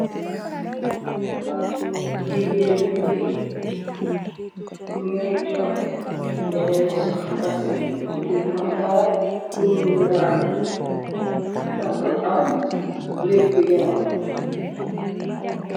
Jigeen bi monge jox benen soxna si garab purr mu naan ndax mu am wergu yaram.